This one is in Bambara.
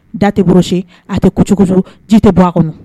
Da tɛɔrɔsi a tɛ cogo ji tɛ bɔ a kɔnɔ